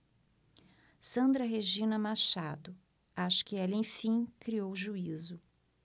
sandra regina machado acho que ela enfim criou juízo